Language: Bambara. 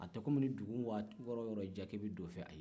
a tɛ kɔmi ni dugu yɔrɔ y'i diya k'i bɛ don o fɛ ayi